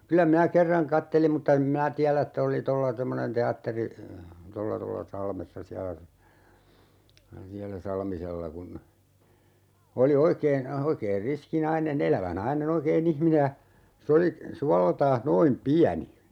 kyllä minä kerran katselin mutta en minä tiedä että oli tuolla semmoinen teatteri tuolla tuolla Salmessa siellä siellä Salmisella kun oli oikein oikein riski nainen elävä nainen oikein ihminen ja se oli suoleltaan noin pieni